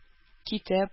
Китеп